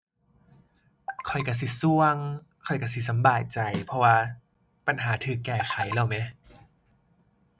ข้อยก็สิส่วง ข้อยก็สิสำบายใจ เพราะว่าปัญหาก็แก้ไขแล้วแหม